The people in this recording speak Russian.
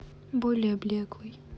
более блеклый